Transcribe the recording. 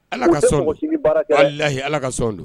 Ala ka sɔn layi ala ka sɔn don